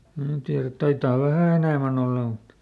minä tiedä taitaa vähän enemmän olla mutta